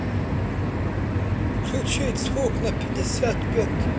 включить звук на пятьдесят пять